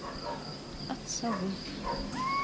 от совы